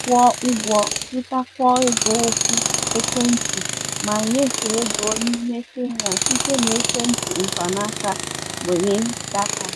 kwụọ ụgwọ, zụtakwuo ego okwu ekwentị ma nyefee ego n'ime Kenya site n'ekwentị mkpanaka nwere data.